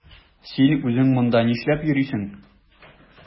Син үзең монда нишләп йөрисең?